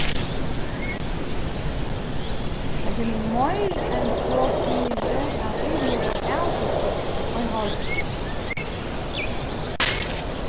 tað kemur meir enn so fyri at vit mugu avbestilla ein ordra